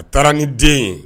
A taara ni den ye.